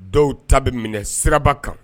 Dɔw ta bɛ minɛ siraba kan